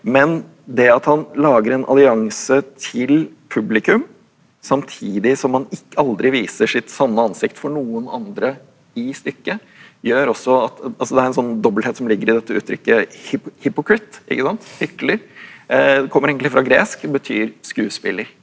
men det at han lager en allianse til publikum samtidig som han aldri viser sitt sanne ansikt for noen andre i stykket, gjør også at altså det er en sånn dobbelthet som ligger i dette uttrykket ikke sant hykler det kommer egentlig fra gresk betyr skuespiller.